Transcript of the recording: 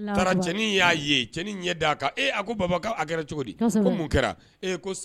Taara cɛnin ɲɛ y'a ye cɛnin ɲɛ d'a kan a ko ee Baba a kɛra cogo di, kosɛbɛ ko mun kɛra?